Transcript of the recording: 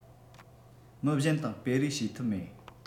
མི གཞན དང སྤེལ རེས བྱས ཐབས མེད